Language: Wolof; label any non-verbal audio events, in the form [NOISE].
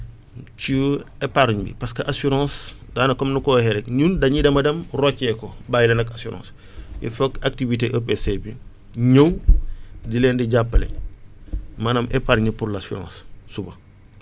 ci épargne bi parce que assurance daanaka comme nu ma ko waxee rek ñun dañuy dem a dem rocceeku bàyyi leen ak assurance [BREATH] il foog activité EPC bi ñëw di leen di jàppale [NOISE] maanaam épargne pour l' assurance suba